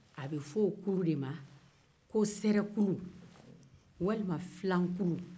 a bɛ fɔ o kulu de ma ko sɛrɛkulu walima filankulu